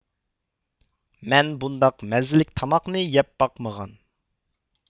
مەن بۇنداق مەززىلىك تاماقنى يەپباقمىغان